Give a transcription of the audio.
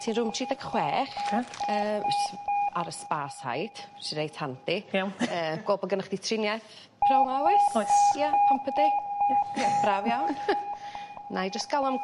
Ti rwng tri deg chwech. 'Ce. Yy ar y spa side sy reit handi. Iawn . Yy gwel bo' gennoch chdi trinieth prown 'ma oes? Oes. Ia pamper day? Ie braf iawn. . 'Nai jyst galw am...